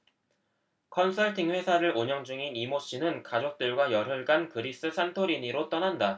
컨설팅 회사를 운영 중인 이 모 씨는 가족들과 열흘간 그리스 산토리니로 떠난다